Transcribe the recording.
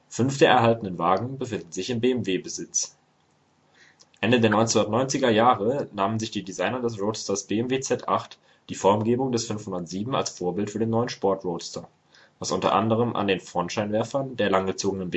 erhaltenen Wagen befinden sich in BMW-Besitz. Ende der 1990er Jahre nahmen sich die Designer des Roadsters BMW Z8 die Formgebung des 507 als Vorbild für den neuen Sport-Roadsters, was u. a. an den Frontscheinwerfern, der langgezogenen